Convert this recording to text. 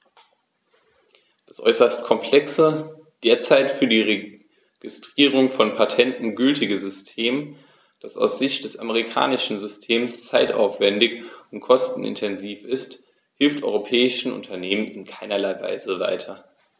Das äußerst komplexe, derzeit für die Registrierung von Patenten gültige System, das aus Sicht des amerikanischen Systems zeitaufwändig und kostenintensiv ist, hilft europäischen Unternehmern in keinerlei Weise weiter.